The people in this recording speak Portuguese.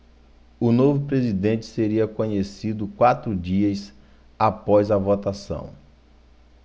o novo presidente seria conhecido quatro dias após a votação